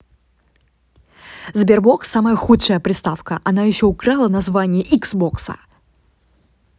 sberbox самая худшая приставка она еще украла название икс бокса